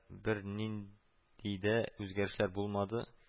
Бер ниндидә үзгәрешләр булмады